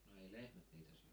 no ei lehmät niitä syöneet